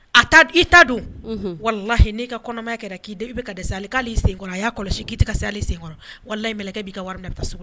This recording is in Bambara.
A i ta don wala lahi n'i ka kɔnɔma kɛra k'i i bɛ ka di saali'ale senkɔrɔ a y'a kɔlɔsi k'i tɛ ka saali sen wala minɛ kɛ'i ka wari da taa so